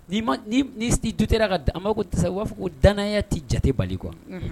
N'i ma n'i m n'i s i douter ra ka da an m'a f k'o tisa u b'a fɔ ko danaya ti jate bali quoi unhun